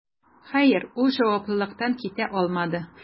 Хәер, ул җаваплылыктан китә алмады: